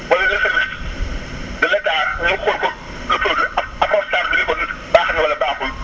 wala les services de l' état mu xool ko le produit Apronstar bi ni ko baax na wala baaxul